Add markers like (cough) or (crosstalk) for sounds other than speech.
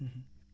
(hesitation) (hesitation)